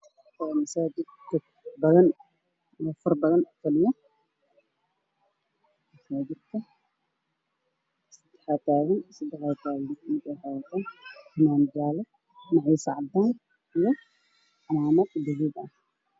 Waxaa i muuqda niman fara badan waxa ayna fadhiyaan muturel wayna kado loobaan qaarna way taagtaagan yihiin qaar waxa ay wataan fanaanado qaarna waxay wataa khamiisyo iyo cimaamado